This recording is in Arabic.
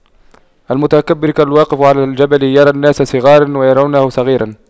المتكبر كالواقف على الجبل يرى الناس صغاراً ويرونه صغيراً